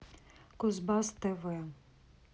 кузбасс тв